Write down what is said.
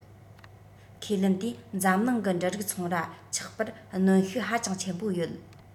ཁས ལེན དེས འཛམ གླིང གི འབྲུ རིགས ཚོང ར ཆགས པར གནོན ཤུགས ཧ ཅང ཆེན པོ ཡོད